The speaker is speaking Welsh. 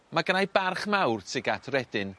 Ma' gynnai barch mawr tug at redyn